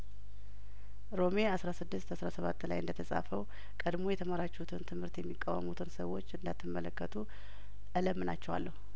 ሮሜ አስራ ስድስት አስራ ስባት ላይ እንደ ተጻፈው ቀድሞ የተማራችሁትን ትምህርት የሚቃወሙትን ሰዎች እንዳት መለከቱ እለምና ችኋለሁ